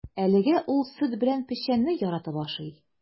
Әлегә ул сөт белән печәнне яратып ашый.